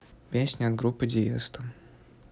песня от группы диесто